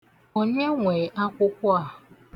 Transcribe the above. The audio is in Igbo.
Onye nwe akwụkwọ a?